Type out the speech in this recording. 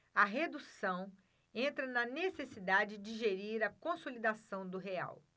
a redução entra na necessidade de gerir a consolidação do real